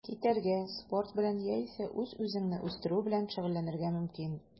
Китәргә, спорт белән яисә үз-үзеңне үстерү белән шөгыльләнергә мөмкин.